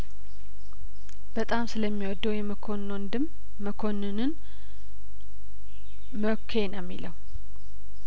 በጣም ስለሚወደው የመኮንን ወንድም መኮንንን መኳ ነው የሚለው